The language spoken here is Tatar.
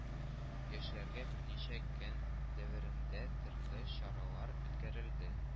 Яшьләргә берничә көн дәверендә төрле чаралар үткәрелде